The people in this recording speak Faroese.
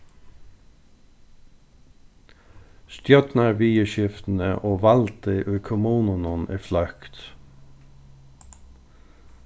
stjórnarviðurskiftini og valdið í kommununum er fløkt